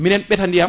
minen ɓeeta ndiyam